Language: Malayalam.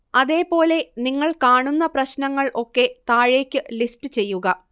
അതേ പോലെ നിങ്ങൾ കാണുന്ന പ്രശ്നങ്ങൾ ഒക്കെ താഴേക്ക് ലിസ്റ്റ് ചെയ്യുക